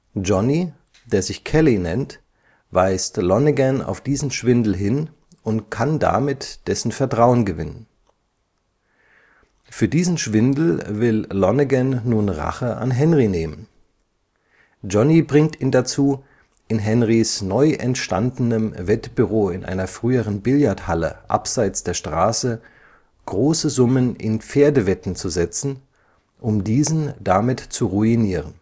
Johnny, der sich Kelly nennt, weist Lonnegan auf diesen Schwindel hin und kann damit dessen Vertrauen gewinnen. Für diesen Schwindel will Lonnegan nun Rache an Henry nehmen. Johnny bringt ihn dazu, in Henrys neu entstandenem Wettbüro in einer früheren Billardhalle abseits der Straße große Summen in Pferdewetten zu setzen, um diesen damit zu ruinieren